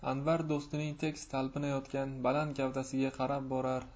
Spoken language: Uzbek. anvar do'stining tekis talpinayotgan baland gavdasiga qarab borar